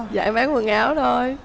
dạ em bán quần áo thôi